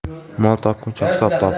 mol topguncha hisob top